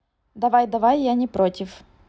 давай давай я не против